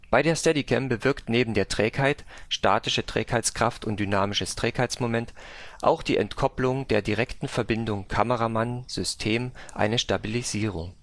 Bei der Steadicam bewirkt neben der Trägheit (statische Trägheitskraft und dynamisches Trägheitsmoment) auch die Entkoppelung der direkten Verbindung Kameramann/System eine Stabilisierung